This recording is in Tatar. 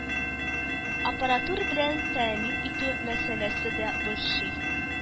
Аппаратура белән тәэмин итү мәсьәләсе дә борчый